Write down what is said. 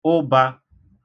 ụbā